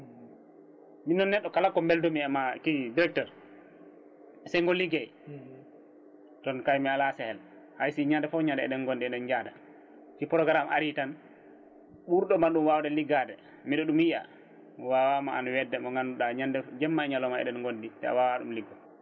min noon neɗɗo kala ko beldumi e ma qui directeur senggo ligguey toon kay mi ala sehil haysi ñande foof ñande eɗen gondi eɗen jaada si programme :ari tan ɓurɗoma ɗum wawde liggade mbiɗa ɗum yiiya mi wawama an wedde mo ganduɗa ñande fo jamma e ñalawma eɗen gondi te a wawa ɗum liggo